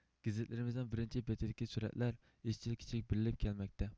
گېزىتلىرىمىزنىڭ بىرىنچى بېتىدىكى سۈرەتلەر ئىزچىل كىچىك بېرىلىپ كەلمەكتە